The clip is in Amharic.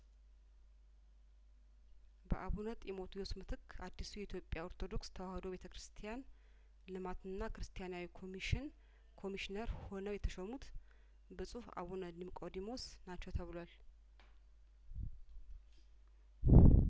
በአቡነ ጢሞቲዎስ ምትክ አዲሱ የኢትዮጵያ ኦርቶዶክስ ተዋህዶ ቤተክርስቲያን ልማትና ክርስቲያናዊ ኮሚሽን ኮሚሽነር ሆነው የተሾሙት ብጹእ አቡነ ኒምቆዲሞስ ናቸው ተብሏል